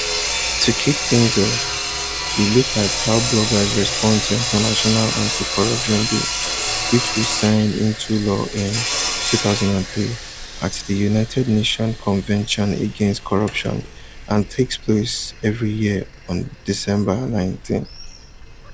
To kick things off we look at how bloggers responded to International Anti-Corruption Day, which was signed into law in 2003 at the United Nations Convention against Corruption and takes place every year on December 9th.